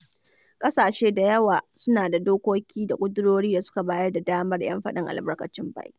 ƙasashe da yawa suna da dokoki da ƙudurori da suka bayar da damar 'yan faɗin albarkacin baki.